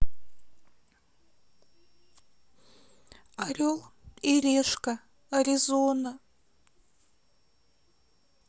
орел и решка аризона